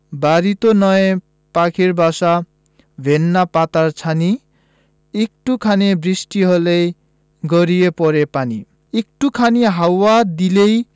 বাড়িতো নয় পাখির বাসা ভেন্না পাতার ছানি একটু খানি বৃষ্টি হলেই গড়িয়ে পড়ে পানি একটু খানি হাওয়া দিলেই